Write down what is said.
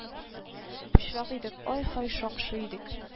Пычрак идек ай-һай шакшы идек